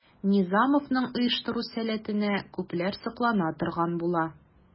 Низамовның оештыру сәләтенә күпләр соклана торган була.